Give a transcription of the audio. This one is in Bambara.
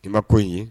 I ma ko in ye